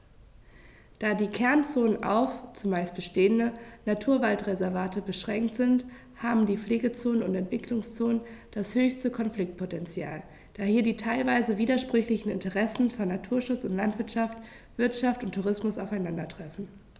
Da die Kernzonen auf – zumeist bestehende – Naturwaldreservate beschränkt sind, haben die Pflegezonen und Entwicklungszonen das höchste Konfliktpotential, da hier die teilweise widersprüchlichen Interessen von Naturschutz und Landwirtschaft, Wirtschaft und Tourismus aufeinandertreffen.